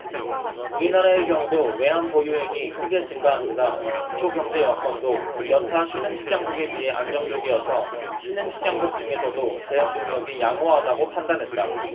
우리나라의 경우도 외환보유액이 크게 증가한 데다 기초경제여건도 여타 신흥시장국에 비해 안정적이어서 신흥시장국 중에서도 대응능력이 양호하다고 판단했다